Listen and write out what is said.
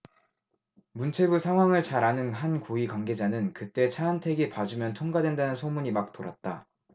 문체부 상황을 잘 아는 한 고위 관계자는 그때 차은택이 봐주면 통과된다는 소문이 막 돌았다